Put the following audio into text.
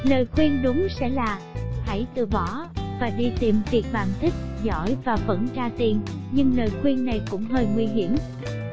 lời khuyên đúng sẽ là hãy từ bỏ và đi tìm việc bạn thích giỏi và vẫn ra tiền nhưng lời khuyên này cũng hơi nguy hiểm